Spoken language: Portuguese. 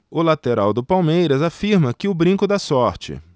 o lateral do palmeiras afirma que o brinco dá sorte